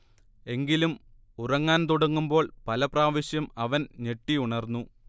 എങ്കിലും ഉറങ്ങാൻ തുടങ്ങുമ്പോൾ പല പ്രാവശ്യം അവൻ ഞെട്ടി ഉണർന്നു